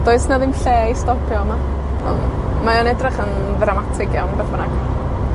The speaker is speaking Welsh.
Does 'na ddim lle i stopio yma. On', mae o'n edrych yn ddramatig iawn beth bynnag.